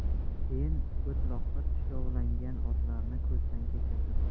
keyin o'tloqqa tushovlangan otlarni ko'zdan kechirdim